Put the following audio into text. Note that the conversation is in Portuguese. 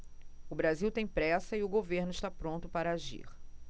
o brasil tem pressa e o governo está pronto para agir